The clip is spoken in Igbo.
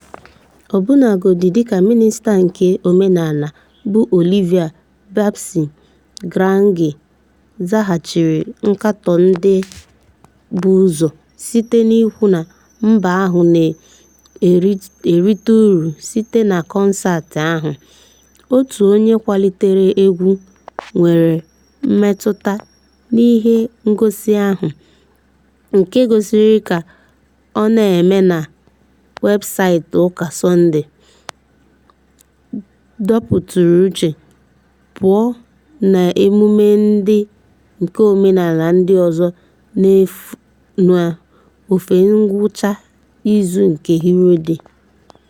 Ọbụnagodi dịka Mịnịsta nke Omenala bụ Olivia "Babsy" Grange zahachiri nkatọ ndị bu ụzọ site n'ikwu na mba ahụ na-erite uru si na kọnseetị ahụ, otu onye nkwalite egwu nwere mmetụta n'ihe ngosi ahụ, nke e gosiri ka ọ na-eme na webusaịtị Ụka Sọnde, "dọpụrụ uche" pụọ n'emume ndị nke omenala ndị ọzọ n'ofe ngwụcha izu nke Heroes Day.